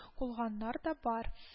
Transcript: Кулганнар да бар